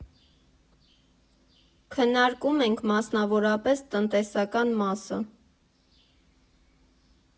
Քննարկում ենք, մասնավորապես, տնտեսական մասը.